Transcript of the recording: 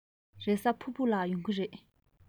རེས གཟའ ཕུར བུ ལ ཡོང གི རེད